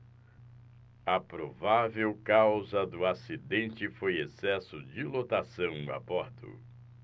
a provável causa do acidente foi excesso de lotação a bordo